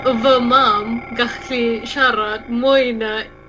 fy mam gallu siarad mwy na